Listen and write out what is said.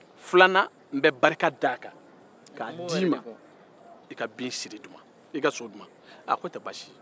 filanan n bɛ barika d'a kan k'a d'i ma i ka bin siri di n ma i ka so di n ma a k'o tɛ basi ye